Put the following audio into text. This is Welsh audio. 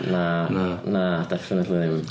Na... Na. ... Na definitely ddim.